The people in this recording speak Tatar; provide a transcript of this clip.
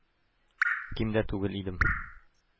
Ким дә түгел идем.